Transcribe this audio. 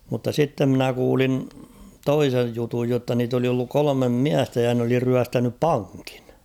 mutta sitten minä kuulin toisen jutun jotta niitä oli ollut kolme miestä ja ne oli ryöstänyt pankin